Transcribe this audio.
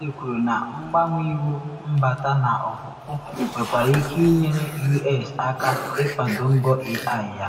Lee kwuru na mgbanwe iwu mbata na ọpụpụ nwekwara ike ịnyere U.S. aka ịkwado mbọ AI ya.